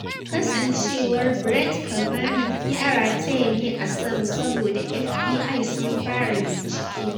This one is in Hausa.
Kasancewar Brett Kavanaugh ya rataya ne a sama, saboda FBI sun fara bincike